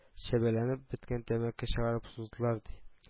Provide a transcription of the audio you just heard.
Чәбәләнеп беткән тәмәке чыгарып суздылар, ди